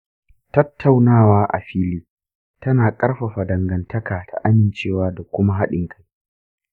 tattaunawa a fili tana ƙarfafa dangantaka ta amincewa da kuma haɗin kai.